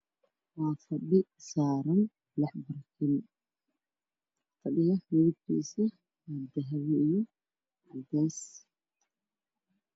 Waa fadhi saaran lix barkiin fadhiga midabkiisu waa caddaan iyo dahabi